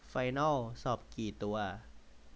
ไฟนอลสอบกี่ตัว